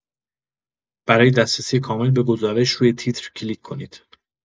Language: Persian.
برای دسترسی کامل به گزارش روی تیتر کلیک کنید.